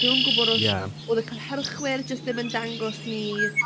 A dwi'm yn gwybod os... Ie... Oedd y cynhyrchwyr jyst ddim yn dangos ni...